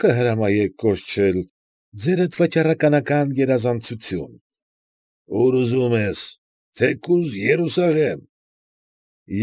Կհրամայեք կորչել, ձերդ վաճառականական գերազանցություն։ ֊ Ուր ուզում ես, թեկուզ Երուսաղեմ։